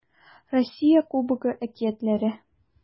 Россия Кубогы әкиятләре